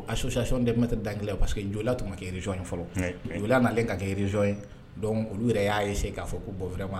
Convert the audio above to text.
Association des maitres d'anglais parce que Doila tun ma kɛ region ye fɔlɔ, oui, oui Doila nalen kɛ region ye, donc olu yɛrɛ y'a essayer k'a fɔ ko bon vraiment